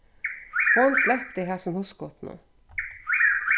hon slepti hasum hugskotinum